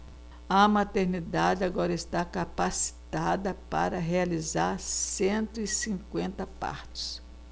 a maternidade agora está capacitada para realizar cento e cinquenta partos